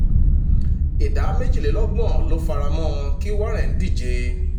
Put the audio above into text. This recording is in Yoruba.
Ìdá méjìlélọ́gbọ̀n ló faramọ́ kí Warren díje.